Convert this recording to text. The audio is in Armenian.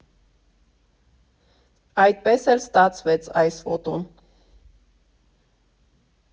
Այդպես էլ ստացվեց այս ֆոտոն։